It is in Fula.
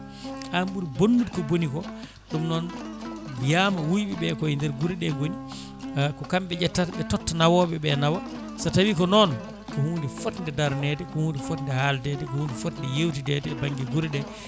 boone an ɓuuri bonnude ko booni ko ɗum noon wiyama wuyɓeɓe koye nder guure ɗe gooni ko kamɓe ƴettata ɓe totta nawoɓeɓe naawa so tawi ko noon ko hunde fodde daranede ko hunde fodde haaldede ko hunde fodde yewtidede e banggue guure ɗe